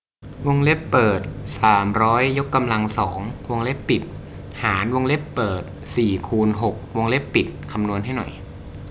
วงเล็บเปิดสามร้อยยกกำลังสองวงเล็บปิดหารวงเล็บเปิดสี่คูณหกวงเล็บปิดคำนวณให้หน่อย